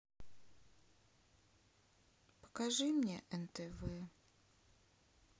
покажи мне нтв